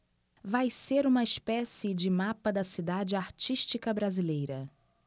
vai ser uma espécie de mapa da cidade artística brasileira